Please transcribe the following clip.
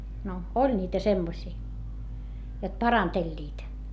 no oli niitä semmoisia jotka parantelivat